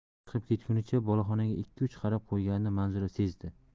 chiqib ketgunicha boloxonaga ikki uch qarab qo'yganini manzura sezdi